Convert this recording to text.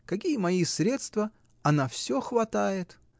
какие мои средства: а на всё хватает!